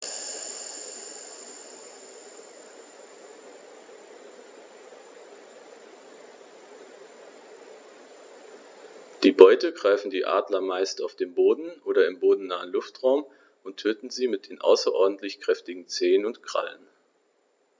Die Beute greifen die Adler meist auf dem Boden oder im bodennahen Luftraum und töten sie mit den außerordentlich kräftigen Zehen und Krallen.